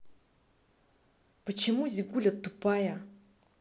почему зигуля тупая